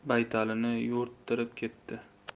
tinchib yo'rg'a baytalini yo'rttirib ketdi